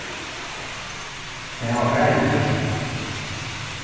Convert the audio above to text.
tey hava bæði gjørt tað